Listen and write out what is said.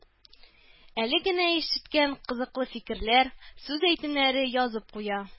Әле генә ишеткән кызыклы фикерләр, сүз-әйтемнәрне язып куя